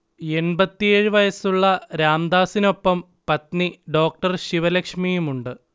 എൺപത്തിയേഴ് വയസ്സുളള രാംദാസിനൊപ്പം പത്നി ഡോ. ശിവ ലക്ഷ്മിയുമുണ്ട്